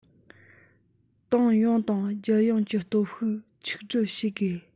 ཏང ཡོངས དང རྒྱལ ཡོངས ཀྱི སྟོབས ཤུགས ཆིག སྒྲིལ བྱེད དགོས